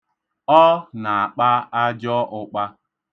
Ọ na-akpa ajọ ụkpa.